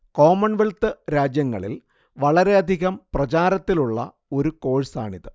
Commonwealth രാജ്യങ്ങളിൽ വളരെയധികം പ്രചാരത്തിലുള്ള ഒരു കോഴ്സാണിത്